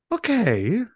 OK.